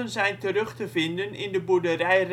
zijn terug te vinden in de boerderij